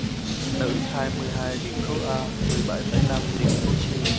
nữ hai mươi hai điểm khối a mười bảy phẩy năm điểm khối c